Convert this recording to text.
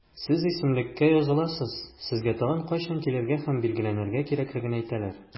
Сез исемлеккә языласыз, сезгә тагын кайчан килергә һәм билгеләнергә кирәклеген әйтәләр.